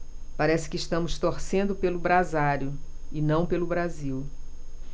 parece que estamos torcendo pelo brasário e não pelo brasil